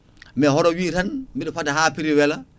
mais hoto wi tan biɗa faada ha prix welela